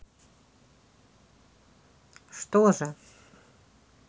что же